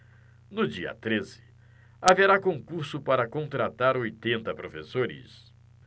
no dia treze haverá concurso para contratar oitenta professores